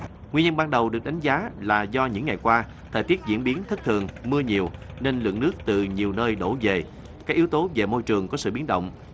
nguyên nhân ban đầu được đánh giá là do những ngày qua thời tiết diễn biến thất thường mưa nhiều nên lượng nước từ nhiều nơi đổ dề các yếu tố dề môi trường có sự biến động